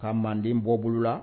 Ka manden bɔ bolo la